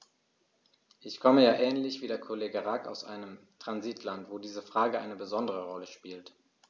Ich komme ja ähnlich wie der Kollege Rack aus einem Transitland, wo diese Frage eine besondere Rolle spielt.